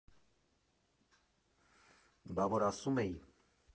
Բա որ ասում էի՜